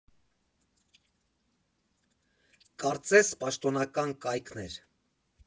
Կարծես պաշտոնական կայքն էր։